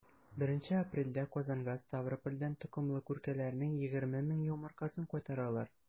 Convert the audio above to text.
1 апрельдә казанга ставропольдән токымлы күркәләрнең 20 мең йомыркасын кайтаралар.